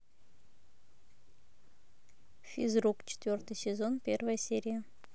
физрук четвертый сезон первая серия